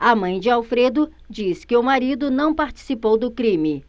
a mãe de alfredo diz que o marido não participou do crime